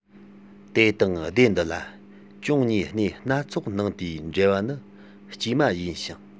དེ དང སྡེ འདི ལ ཅུང ཉེའི གནས སྣ ཚོགས ནང དེའི འབྲེལ བ ནི དཀྱུས མ ཡིན ཞིང